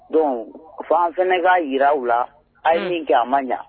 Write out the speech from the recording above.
Donc fo an fana k'a jira u la, a';un; ye min kɛ a ma ɲɛ.